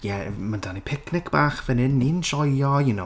Ie a mae 'da ni picnic bach fan hyn, ni'n joio, you know...